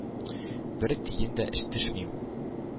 Бер тиен дә төшмим